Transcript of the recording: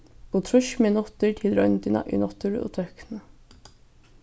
og trýss minuttir til royndina í náttúru og tøkni